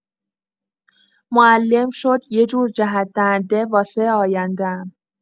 معلم شد یه جور جهت‌دهنده واسه آینده‌ام.